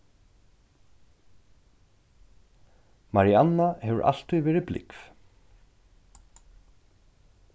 marianna hevur altíð verið blúgv